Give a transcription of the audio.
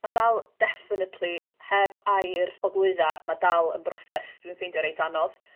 Ma dal definitely heb air o glwydda ma' dal yn broses dwi'n ffeindio reit anodd.